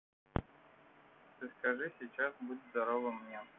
так скажи сейчас будь здоровым мне